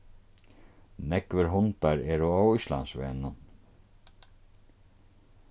nógvir hundar eru á íslandsvegnum